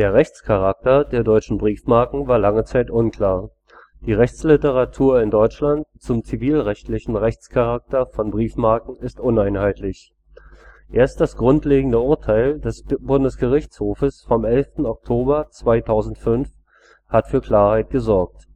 Rechtscharakter der deutschen Briefmarken war lange Zeit unklar, die Rechtsliteratur in Deutschland zum zivilrechtlichen Rechtscharakter von Briefmarken ist uneinheitlich. Erst das grundlegende Urteil des BGH vom 11. Oktober 2005 hat für Klarheit gesorgt